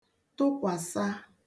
tụkwàsa